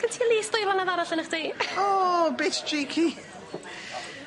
Gen ti a' least dwy flynadd arall ynoch chdi. O bitch cheeky.